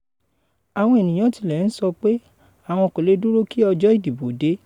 Àwọn ènìyàn tilẹ̀ ti ń sọ pé àwọn kò lè dúró kí ọjọ́ ìdìbò dé.